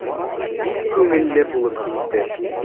Бик күңелле булып китте.